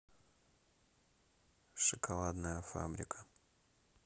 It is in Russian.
шоколадная фабрика